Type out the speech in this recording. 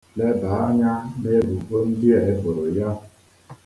Lebaa anya n'ebubo ndịa eboro ya.